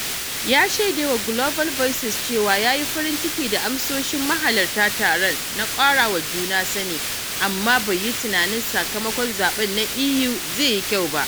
Ya shaida wa Global Voices cewa yayi farin ciki da amsoshin mahalarta taron na ƙarawa juna sani, amma bai yi tunanin sakamakon zaɓen na EU zai yi kyau ba.